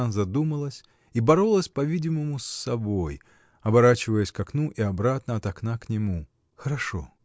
Она задумалась и боролась, по-видимому, с собой, оборачиваясь к окну и обратно от окна к нему. — Хорошо.